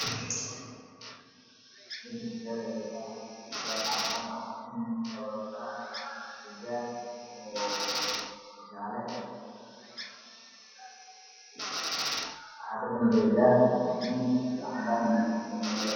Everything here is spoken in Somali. Meeshaan waa meel bareefad caafimaad ay gabdho ku baranayaan ayaa fadhiyo waxyaabo wataan